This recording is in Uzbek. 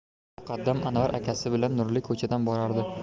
muqaddam anvar akasi bilan nurli ko'chadan borardi